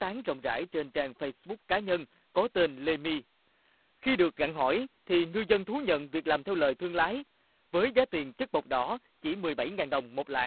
tán rộng rãi trên trang phây búc cá nhân cố tình lây mi khi được gặng hỏi thì ngư dân thú nhận việc làm theo lời thương lái với giá tiền chất bột đỏ chỉ mười bảy ngàn đồng một lạng